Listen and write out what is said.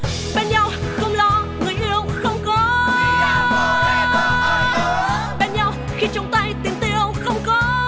bên nhau không lo người yêu không có bên nhau khi trong tay tiền tiêu không có